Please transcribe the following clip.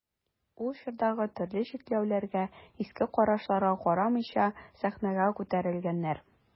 Ул чордагы төрле чикләүләргә, иске карашларга карамыйча сәхнәгә күтәрелгәннәр.